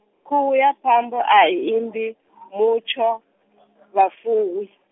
khuhu ya phambo ayi imbi , mutsho , vhafuwi.